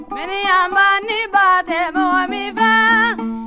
miniyanba ni ba tɛ mɔgɔ min fɛ